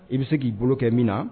I bɛ se k'i bolo kɛ min na